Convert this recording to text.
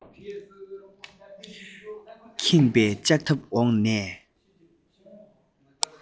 ཁེངས པའི ལྕགས ཐབ འོག ནས